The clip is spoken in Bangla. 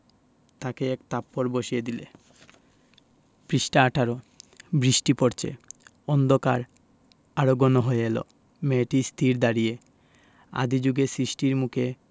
তাকে এক থাপ্পড় বসিয়ে দিলে পৃষ্ঠা ১৮ বৃষ্টি পরছে অন্ধকার আরো ঘন হয়ে এল মেয়েটি স্থির দাঁড়িয়ে আদি জুগে সৃষ্টির মুখে